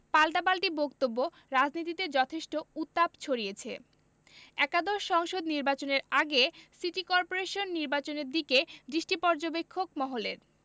পাল্টাপাল্টি বক্তব্য রাজনীতিতে যথেষ্ট উত্তাপ ছড়িয়েছে একাদশ সংসদ নির্বাচনের আগে সিটি করপোরেশন নির্বাচনের দিকে দৃষ্টি পর্যবেক্ষক মহলের